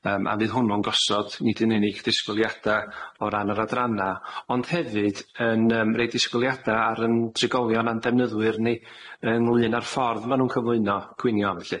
Yym a fydd hwnnw'n gosod nid yn unig disgwyliada o ran yr adranna ond hefyd yn yym rei disgwyliada ar yn trigolion a'n defnyddwyr ni ynglŷn â'r ffordd ma' nw'n cyflwyno gwynion felly.